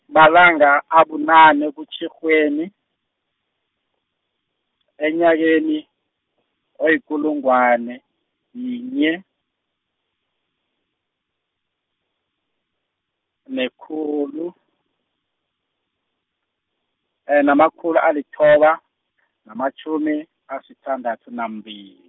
malanga abunane kuTjhirhweni, enyakeni, oyikulungwane, yinye, nekhulu, e namakhulu alithoba, namatjhumi, asithandathu nambili.